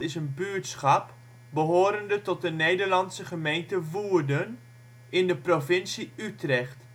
buurtschap behorende tot de Nederlandse gemeente Woerden, in de provincie Utrecht